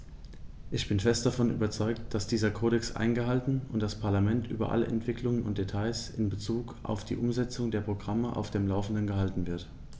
Ich bin fest davon überzeugt, dass dieser Kodex eingehalten und das Parlament über alle Entwicklungen und Details in bezug auf die Umsetzung der Programme auf dem laufenden gehalten wird.